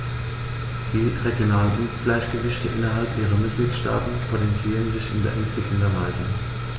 Die regionalen Ungleichgewichte innerhalb der Mitgliedstaaten potenzieren sich in beängstigender Weise.